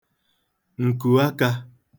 ǹkùakā